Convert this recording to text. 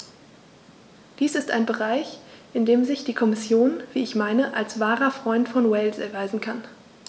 Dies ist ein Bereich, in dem sich die Kommission, wie ich meine, als wahrer Freund von Wales erweisen kann.